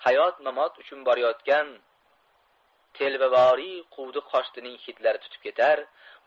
hayot mamot uchun borayotgan telbavoriy quvdi qochdining hidlari tutib ketar